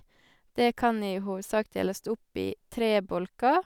Det kan i hovedsak deles opp i tre bolker.